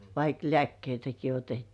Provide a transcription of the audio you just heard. vaikka lääkkeitäkin otettiin